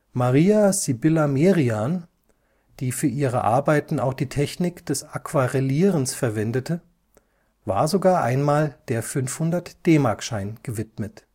Maria Sibylla Merian, die für ihre Arbeiten auch die Technik des Aquarellierens verwendete, war sogar einmal der 500-DM-Schein gewidmet